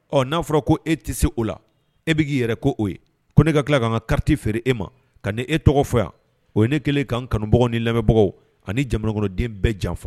Ɔ n'a fɔra ko e tɛ se o la e bɛ k'i yɛrɛ ko o ye ko ne ka tila ka kan ka kati feere e ma ka ni e tɔgɔ fɔ yan o ye ne kɛlen ka kanubagaw ni lamɛnbagaw ani jamanaden bɛɛ janfa